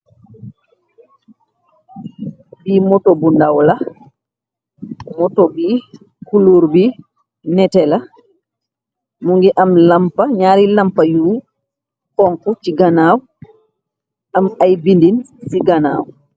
Bi moto bu ndaw la moto bi kuluur bi neté la mu ngi am lampa ñaari lampa yu xonku ci ganaaw am ay bindin ci ganaaw.